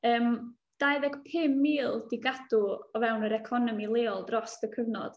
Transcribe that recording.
Yym, dau ddeg pump mil 'di gadw o fewn yr economi leol drosd y cyfnod.